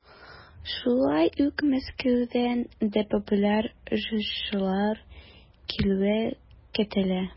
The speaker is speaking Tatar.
Шулай ук Мәскәүдән дә популяр җырчылар килүе көтелә.